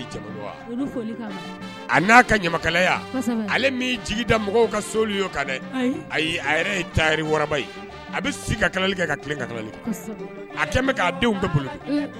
Ale jigida mɔgɔw ka so kan dɛ a a ye tari ye a bɛ kali kɛ kali a tɛmɛ denw bɛɛ bolo